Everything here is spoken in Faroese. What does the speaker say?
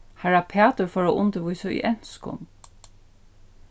harra pætur fór at undirvísa í enskum